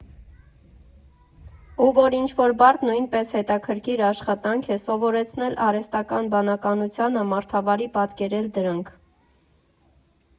Ու որ ինչ բարդ, նույնպես հետաքրքիր աշխատանք է սովորեցնել արհեստական բանականությանը մարդավարի պատկերել դրանք։